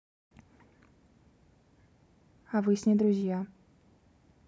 а вы с ней друзья